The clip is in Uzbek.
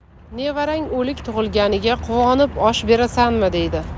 nevarang o'lik tug'ilganiga quvonib osh berasanmi deydi